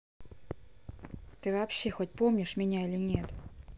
ты вообще хоть помнишь меня или нет